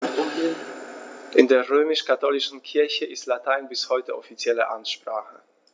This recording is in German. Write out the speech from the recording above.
In der römisch-katholischen Kirche ist Latein bis heute offizielle Amtssprache.